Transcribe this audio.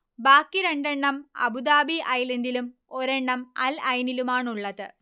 ബാക്കി രണ്ടെണ്ണം അബുദാബി ഐലൻഡിലും ഒരെണ്ണം അൽ ഐനിലുമാണുള്ളത്